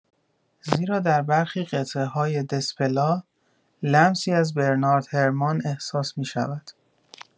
زیرا در برخی قطعه‌های دسپلا، لمسی از برنارد هرمان احساس می‌شود.